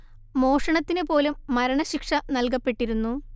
മോഷണത്തിനു പോലും മരണ ശിക്ഷ നൽകപ്പെട്ടിരുന്നു